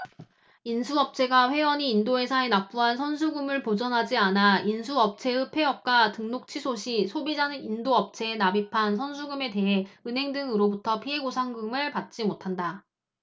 인수업체가 회원이 인도회사에 납부한 선수금을 보전하지 않아 인수업체의 폐업과 등록취소 시 소비자는 인도업체에 납입한 선수금에 대해 은행 등으로부터 피해보상금을 받지 못한다